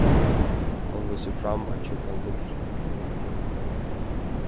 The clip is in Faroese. hann vísir fram ein tjúkkan gullring